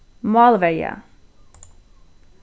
málverja